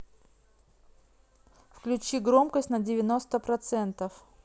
включи громкость на девяносто процентов